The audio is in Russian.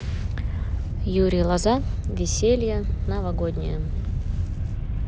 юрий лоза веселье новогоднее